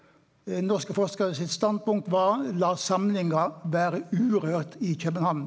norske forskarar sitt standpunkt var la samlinga vere urørt i København.